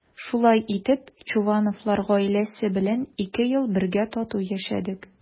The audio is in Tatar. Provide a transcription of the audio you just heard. Шулай итеп Чувановлар гаиләсе белән ике ел бергә тату яшәдек.